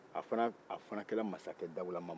a fana a fana kɛra masakɛ dawulamanba ye